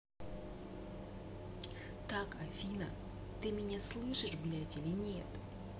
так афина ты меня слышишь блядь или нет